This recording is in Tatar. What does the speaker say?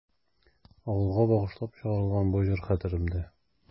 Авылга багышлап чыгарылган бу җыр хәтеремдә.